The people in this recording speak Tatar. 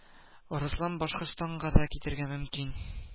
Арыслан Башкортстанга да китергә мөмкин